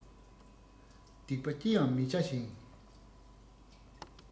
སྡིག པ ཅི ཡང མི བྱ ཞིང